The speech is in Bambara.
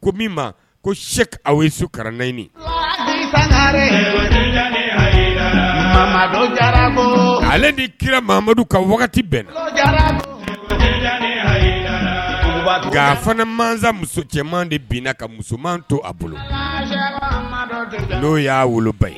Ko min ma ko se a ye sukara naɲini ale ni kiramadu ka bɛn fana masa muso caman de bin ka musoman to a bolo y'a woloba